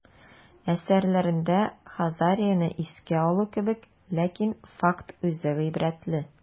Әсәрләрендә Хазарияне искә алу кебек, ләкин факт үзе гыйбрәтле.